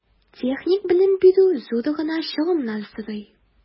Техник белем бирү зур гына чыгымнар сорый.